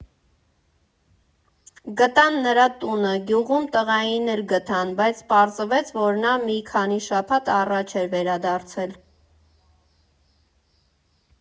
Գտան նրա տունը գյուղում, տղային էլ գտան, բայց պարզվեց, որ նա մի քանի շաբաթ առաջ էր վերադարձել։